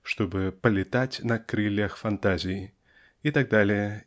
чтобы полетать на крыльях фантазии и т.д.